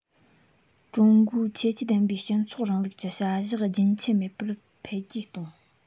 ཀྲུང གོའི ཁྱད ཆོས ལྡན པའི སྤྱི ཚོགས རིང ལུགས ཀྱི བྱ གཞག རྒྱུན ཆད མེད པར འཕེལ རྒྱས གཏོང